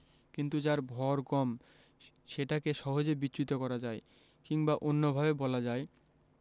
কিন্তু যার ভয় কম সেটাকে সহজে বিচ্যুত করা যায় কিংবা অন্যভাবে বলা যায়